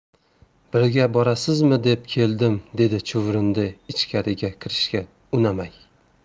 birga borasizmi deb keldim dedi chuvrindi ichkariga kirishga unamay